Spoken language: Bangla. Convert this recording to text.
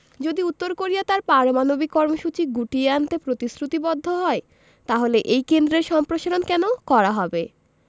যদি উত্তর কোরিয়া তার পারমাণবিক কর্মসূচি গুটিয়ে আনতে প্রতিশ্রুতিবদ্ধ হয় তাহলে এই কেন্দ্রের সম্প্রসারণ কেন করা হবে